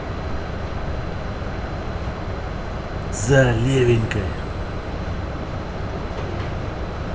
за левенькая